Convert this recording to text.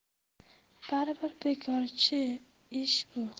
baribir bekorchi ish bu